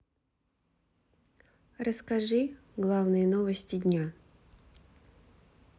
расскажи главные новости дня